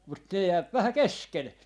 mutta ne jää vähän kesken